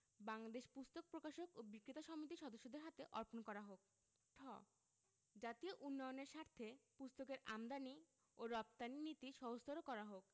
বাংলাদেশ পুস্তক প্রকাশক ও বিক্রেতা সমিতির সদস্যদের হাতে অর্পণ করা হোক ঠ জাতীয় উন্নয়নের স্বার্থে পুস্তকের আমদানী ও রপ্তানী নীতি সহজতর করা হোক